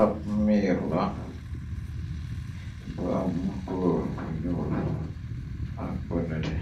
Ab miir la bu am clor bu ñuul ak bu nete